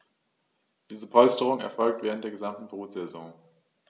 Diese Polsterung erfolgt während der gesamten Brutsaison.